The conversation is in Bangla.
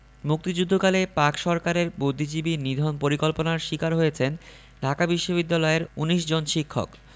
মুক্তিযুদ্ধকালে পাক সরকারের বুদ্ধিজীবী নিধন পরিকল্পনার শিকার হয়েছেন ঢাকা বিশ্ববিদ্যালয়ের ১৯ জন শিক্ষক